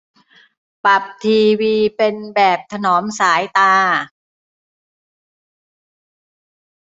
ปรับทีวีเป็นแบบถนอมสายตา